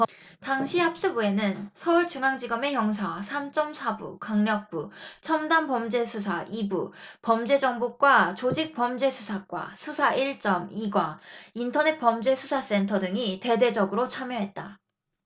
당시 합수부에는 서울중앙지검의 형사 삼 쩜 사 부 강력부 첨단범죄수사 이 부 범죄정보과 조직범죄수사과 수사 일 쩜 이 과 인터넷범죄수사센터 등이 대대적으로 참여했다